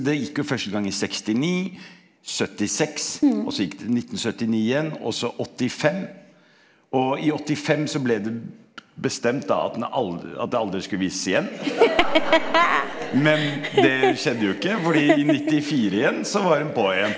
det gikk jo første gang i sekstini, 76 også gikk det 1979 igjen også åttifem, og i 85 så ble det bestemt da at den at det aldri skulle vises igjen, men det skjedde jo ikke fordi i 94 igjen så var dem på igjen.